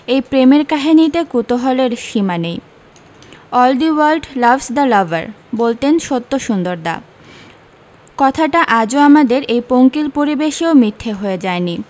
এই প্রেমের কাহিনীতে কুতূহলের সীমা নেই all the world loves the lover বলতেন সত্যসুন্দরদা কথাটা আজও আমাদের এই পঙ্কিল পরিবেশেও মিথ্যে হয়ে যায় নি